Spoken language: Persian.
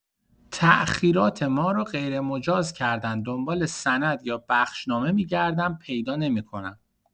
تاخیرات ما رو غیرمجاز کردن دنبال سند یا بخشنامه می‌گردم پیدا نمی‌کنم.